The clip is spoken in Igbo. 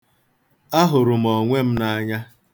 Ahụrụ m onwe m n'anya.